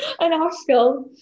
Yn hollol!